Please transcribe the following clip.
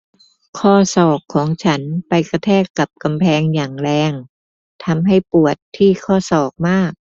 ข้อศอกของฉันไปกระแทกกับกำแพงอย่างแรงทำให้ปวดที่ข้อศอกมาก